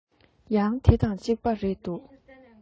ཡང འདི དང ཅིག པ རེད འདུག